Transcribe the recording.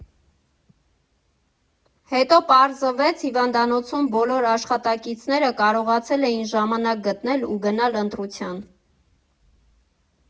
Հետո պարզվեց՝ հիվանդանոցում բոլոր աշխատակիցները կարողացել էին ժամանակ գտնել ու գնալ ընտրության։